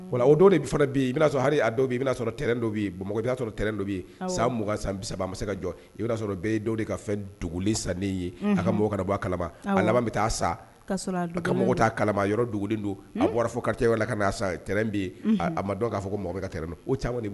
A san ma se ka jɔ i sɔrɔ de ka fɛn dugu san ye ka mɔgɔ bɔ kala bɛ taa sa ka kala yɔrɔ don a bɔra ka a ma'a fɔ ko mɔgɔ ka